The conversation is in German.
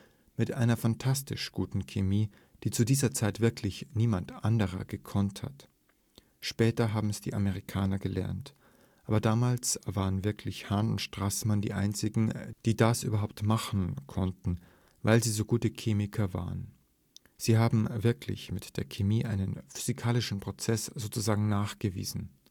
mit einer phantastisch guten Chemie, die zu dieser Zeit wirklich niemand anderer gekonnt hat. Später haben’ s die Amerikaner gelernt. Aber damals waren wirklich Hahn und Straßmann die einzigen, die das überhaupt machen konnten, weil sie so gute Chemiker waren. Sie haben wirklich mit der Chemie einen physikalischen Prozeß sozusagen nachgewiesen